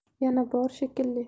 yana bor shekilli